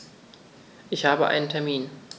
Ich habe einen Termin.